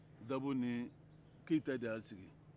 dabo ni keyita de y'a sigi